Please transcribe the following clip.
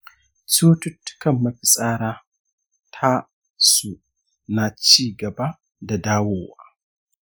cututtukan mafitsara ta su na cigaba da dawowa.